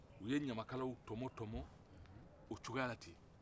u ye ɲamakalaw tɔmɔtɔmɔ o cogoya la ten